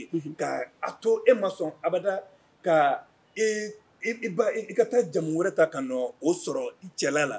Unhun, ka a to e ma sɔn abada ka i ba i ka taa jamu wɛrɛ ta ka na o sɔrɔ i cɛla la